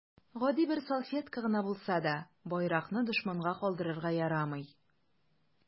Гади бер салфетка гына булса да, байракны дошманга калдырырга ярамый.